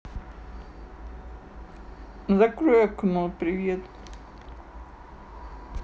закрой окно привет